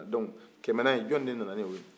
dɔnki kɛmɛnan nin jɔn de nana n'o ye